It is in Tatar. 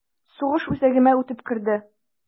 Сугыш үзәгемә үтеп керде...